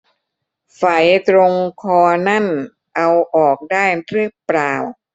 ไฝตรงคอนั่นเอาออกได้รึเปล่า